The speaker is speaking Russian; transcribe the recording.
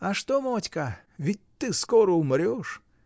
— А что, Мотька: ведь ты скоро умрешь!